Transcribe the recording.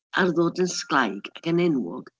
Ar ddod yn sglaig ac yn enwog.